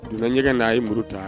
Dunanjɛgɛn n' a ye muru ta